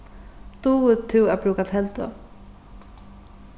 dugir tú at brúka teldu